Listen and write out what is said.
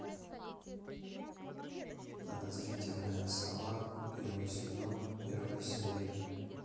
подозрительная сова первый сезон первая серия